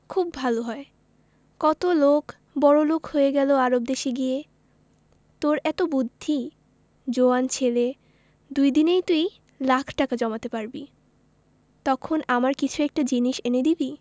খুব ভালো হয় কত লোক বড়লোক হয়ে গেল আরব দেশে গিয়ে তোর এত বুদ্ধি জোয়ান ছেলে দুদিনেই তুই লাখ টাকা জমাতে পারবি তখন আমার কিছু একটা জিনিস এনে দিবি